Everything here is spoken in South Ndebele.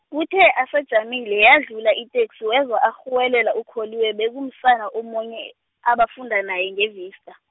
kuthe asajamile yadlula iteksi wezwa arhuwelela uKholiwe bekumsana omunye, abafunda naye ngeVista.